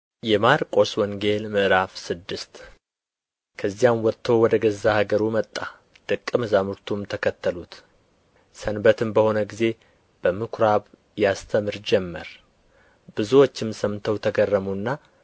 የማርቆስ ወንጌል ምዕራፍ ስድስት ከዚያም ወጥቶ ወደ ገዛ አገሩ መጣ ደቀ መዛሙርቱም ተከተሉት ሰንበትም በሆነ ጊዜ በምኵራብ ያስተምር ጀመር ብዙዎችም ሰምተው ተገረሙና